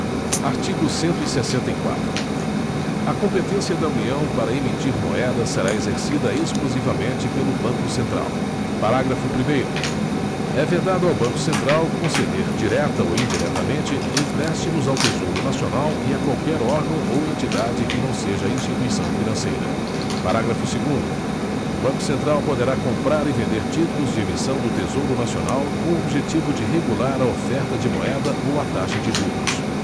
artigo cento e sessenta e quatro a competência da união para emitir moeda será exercida exclusivamente pelo banco central parágrafo primeiro é vedado ao banco central conceder direta ou indiretamente empréstimos ao tesouro nacional e a qualquer órgão ou entidade que não seja instituição financeira parágrafo segundo o banco central poderá comprar e vender títulos de emissão do tesouro nacional com o objetivo de regular a oferta de moeda ou a taxa de juros